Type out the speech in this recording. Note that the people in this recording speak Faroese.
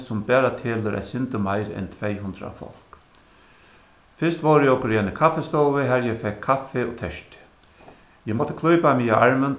sum bara telur eitt sindur meir enn tvey hundrað fólk fyrst vóru okur í eini kaffistovu har eg fekk kaffi og tertu eg mátti klípa meg í armin